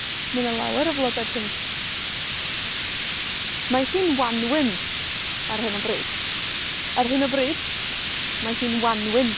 Ma' 'na lawer o flodau pinc. Mae hi'n Wanwyn ar hyn o bryd. Ar hyn o bryd, mae hi'n Wanwyn.